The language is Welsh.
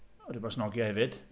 O, dwi 'di bod snogio hefyd.